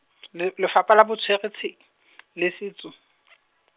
Le- Lefapha la Botsweretshi , le Setso .